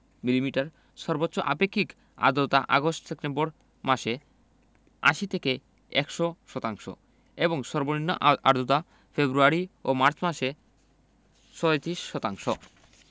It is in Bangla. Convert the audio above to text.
সর্বোচ্চ আপেক্ষিক আর্দ্রতা আগস্ট সেপ্টেম্বর মাসে ৮০ থেকে ১০০ শতাংশ এবং সর্বনিম্ন আর্দ্রতা ফেব্রুয়ারি ও মার্চ মাসে ৩৬ শতাংশ